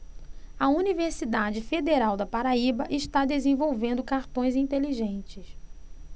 a universidade federal da paraíba está desenvolvendo cartões inteligentes